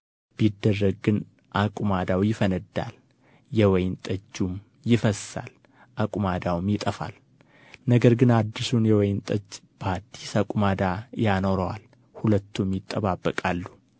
ቢደረግ ግን አቁማዳው ይፈነዳል የወይን ጠጁም ይፈሳል አቁማዳውም ይጠፋል ነገር ግን አዲሱን የወይን ጠጅ በአዲስ አቁማዳ ያኖረዋል ሁለቱም ይጠባበቃሉ